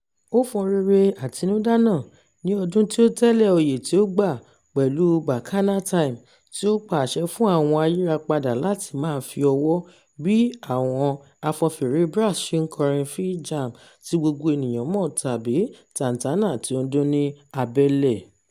Ó fọn rere àtinúdá náà ní ọdún tí ó tẹ̀lé oyè tí ó gbà pẹ̀lú "Bacchanal Time", tí ó pa àṣẹ fún àwọn ayírapadà láti máa "fi ọwọ́ " bí àwọn afọnfèrè brass ṣe ń kọrin "F-jam" tí gbogbo ènìyàn mọ̀ tàbí "tantana" tí ó ń dún ní abẹ́lẹ̀.